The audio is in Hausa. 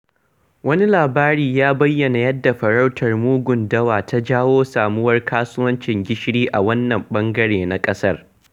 Wani labarin ya bayyana yadda farautar mugun dawa ta jawo samuwar kasuwancin gishiri a wannan ɓangare na ƙasar.